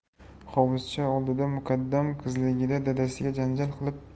hovuzcha oldida muqaddam qizligida dadasiga janjal qilib